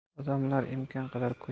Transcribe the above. odamlar imkon qadar